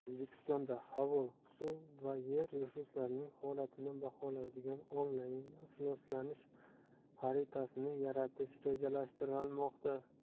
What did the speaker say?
o'zbekistonda havo suv va yer resurslarining holatini baholaydigan onlayn ifloslanish xaritasini yaratish rejalashtirilmoqda